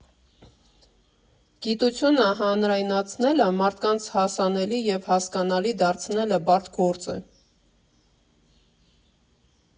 Գիտությունը հանրայնացնելը, մարդկանց հասանելի և հասկանալի դարձնելը բարդ գործ է»։